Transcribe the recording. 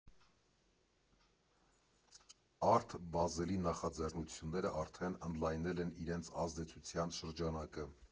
Արթ Բազելի նախաձեռնությունները արդեն ընդլայնել են իրենց ազդեցության շրջանակը։